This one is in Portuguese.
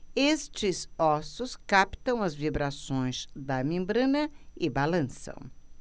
estes ossos captam as vibrações da membrana e balançam